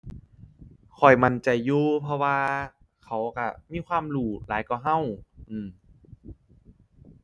ข้อยมั่นใจอยู่ เพราะว่า เขาก็มีความรู้หลายกว่าก็ อื้อ